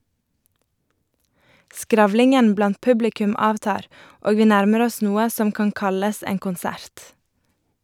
Skravlingen blant publikum avtar, og vi nærmer oss noe som kan kalles en konsert.